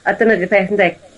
A dyna'r 'di peth yndi?